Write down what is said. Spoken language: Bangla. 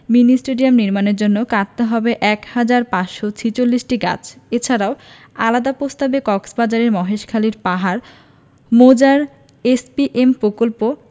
মিনি স্টেডিয়াম নির্মাণের জন্য কাটতে হবে এক হাজার ৫৪৬টি গাছ এছাড়া আলাদা প্রস্তাবে কক্সবাজারের মহেশখালীর পাহাড় মৌজার এসপিএম প্রকল্প